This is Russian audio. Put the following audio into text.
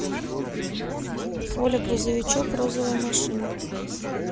оля грузовичок розовая машина